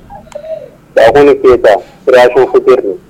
Bakoni Keita création couture don